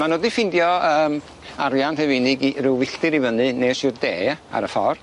Ma' nw 'di ffindio yym arian Rhufeinig i ryw filltir i fyny nes i'r de ar y ffordd.